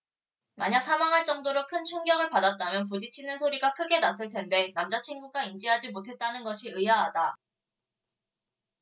만약 사망할 정도로 큰 충격을 받았다면 부딪치는 소리가 크게 났을 텐데 남자친구가 인지하지 못했다는 것이 의아하다